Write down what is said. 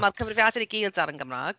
Mae'r cyfrifiadur i gyd yn dal yn Gymraeg.